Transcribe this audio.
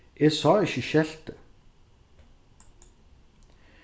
eg sá ikki skeltið